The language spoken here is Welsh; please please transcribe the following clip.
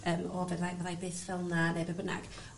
yym o fydda- fyddai byth fel 'na ne' be' bynnag.